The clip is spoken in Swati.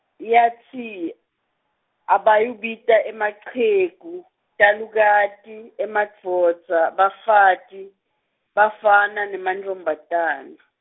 yatsi, abayewubita emachegu, talukati, emadvodza, bafati, bafana nemantfombatana.